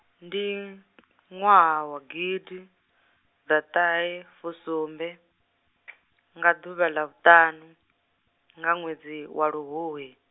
ndi, ṅwaha wa gidiḓaṱahefusumbe , nga ḓuvha ḽa vhuṱaṋu, nga ṅwedzi wa luhuhi.